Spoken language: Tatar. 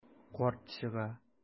Карт чыга.